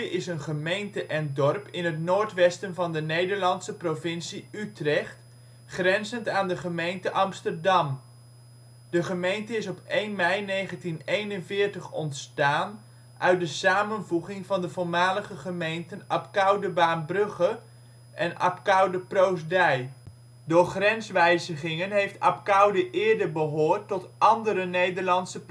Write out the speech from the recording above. is een gemeente en dorp in het noordwesten van de Nederlandse provincie Utrecht, grenzend aan de gemeente Amsterdam. De gemeente is op 1 mei 1941 ontstaan uit de samenvoeging van de voormalige gemeenten Abcoude-Baambrugge en Abcoude-Proostdij. Door grenswijzigingen heeft Abcoude eerder behoord tot andere Nederlandse